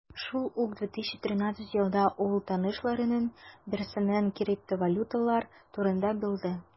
Шул ук 2013 елда ул танышларының берсеннән криптовалюталар турында белде.